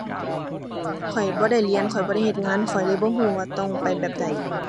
ข้อยบ่ได้เรียน ข้อยบ่ได้เฮ็ดงาน ข้อยเลยบ่รู้ว่าต้องไปแบบใด